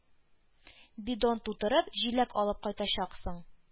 Бидон тутырып, җиләк алып кайтачаксың.